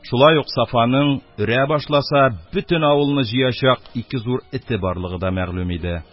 Шулай ук Сафаның өрә башласа бөтен авылны җыячак икезур эте барлыгы да мәгълүм иде.